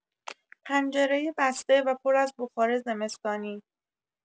پنجره بسته و پر از بخار زمستانی